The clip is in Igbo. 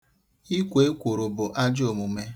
Ikwo ekworo bụ ajọ omume.